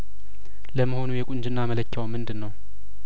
ለመሆኑ የቁንጅና መለኪያው ምንድነው